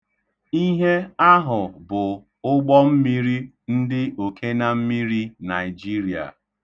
Ihe ahụ bụ ụgbọmmiri ndị okenammiri Naijiria.